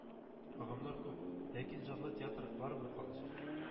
Агымнар күп, ләкин җанлы театр барыбер калачак.